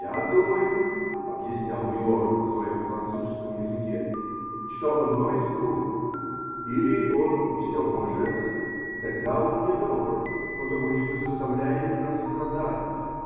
-- Я думаю, -- объяснял "милорд" на своем французском языке, -- что одно из двух: или он все может -- тогда он не добр, потому что заставляет нас страдать